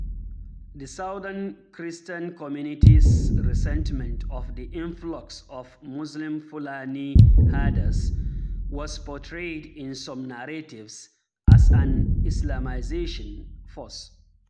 The southern Christian communities’ resentment of the influx of Muslim Fulani herders was portrayed in some narratives as an 'Islamisation' force.